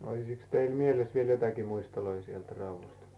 olisiko teillä mielessä vielä jotakin muistoja sieltä Raudusta